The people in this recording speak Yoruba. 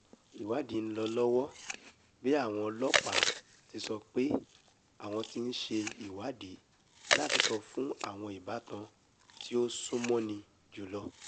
Ìwádìí ń lọ lọ́wọ́ bí àwọn ọlọ́pàá ti sọ pé àwọn ti ń ṣe ìwádìí láti sọ fún àwọn ìbátan tí ó sún mọ́ni jùlọ.